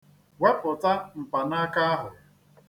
Wepụta mpanaaka ahụ.